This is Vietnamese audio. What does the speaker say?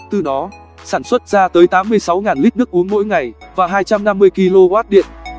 từ đó sản xuất ra tới lít nước uống mỗi ngày và kw điện